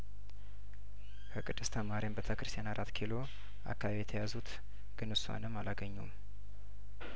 ከቅድስተ ማርያም ቤተክርስቲያንና አራት ኪሎ አካባቢ የተያዙት ግን እሷንም አላገኙም